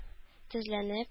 Тезләнеп